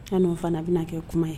Yan' fana bɛnaa kɛ kuma ye